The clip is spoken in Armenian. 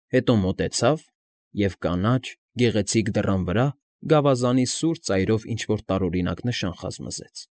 Հետո մոտեցավ և կանաչ, գեղեցիկ դռան վրա գավազանի սուր ծայրով ինչ֊որ տարօրինակ նշան խզմզեց։